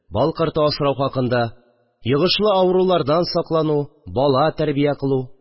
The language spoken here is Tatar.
Балкорты асрау хакында, йогышлы авырулардан саклану, бала тәрбия кылу